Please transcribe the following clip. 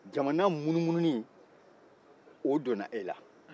jamana munumununi o don e la